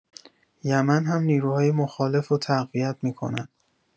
یمن هم نیروهای مخالف تقویت می‌کنن